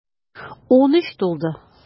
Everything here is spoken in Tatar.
Унөч тулды.